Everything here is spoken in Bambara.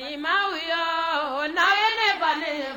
Ma na wele ne fa